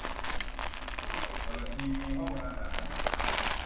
เปิดทีวีห้องอาหาร